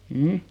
mm